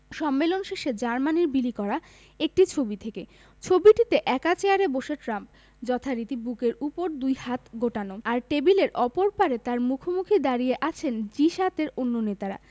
সম্মেলন শেষে জার্মানির বিলি করা একটি ছবি থেকে ছবিটিতে একা চেয়ারে বসে ট্রাম্প যথারীতি বুকের ওপর দুই হাত গোটানো আর টেবিলের অপর পারে তাঁর মুখোমুখি দাঁড়িয়ে আছেন জি ৭ এর অন্য নেতারা